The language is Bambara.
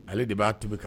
Ale de b'a tobi kan